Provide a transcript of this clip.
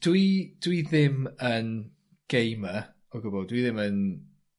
dwi dwi ddim yn gamer o gwbwl dwi ddim yn